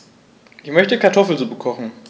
Ich möchte Kartoffelsuppe kochen.